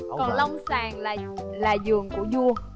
còn long sàn là là giường của dua